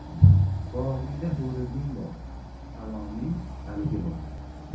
bog'ingda o'riging bor saloming aliging bor